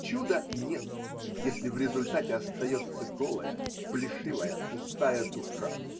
Чуда нет, если в результате остается голая, плешивая, пустая душа.